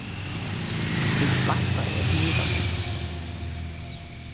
vit sveitta í hesum hitanum